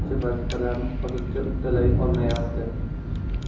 bo'yicha vazifalarini hozircha uddalay olmayapti